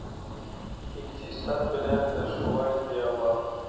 Икътисад белән дә шулай, ди алар.